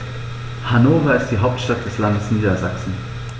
Hannover ist die Hauptstadt des Landes Niedersachsen.